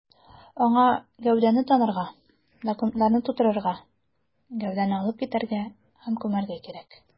Аңа гәүдәне танырга, документларны турырга, гәүдәне алып китәргә һәм күмәргә кирәк.